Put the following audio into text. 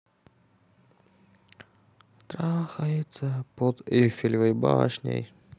трахается под эйфелевой башней